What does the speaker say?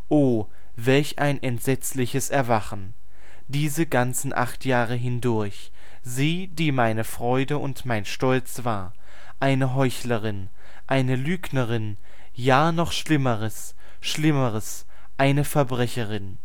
O, welch ein entsetzliches Erwachen! Diese ganzen acht Jahre hindurch – sie, die meine Freude und mein Stolz war – eine Heuchlerin, eine Lügnerin – ja noch Schlimmeres, Schlimmeres – eine Verbrecherin